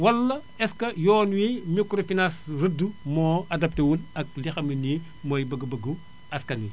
wala est ce que yoon wii microfinance rëdd moo adapté wul ak li xam ne nii mooy bëgg-bëggu askan wi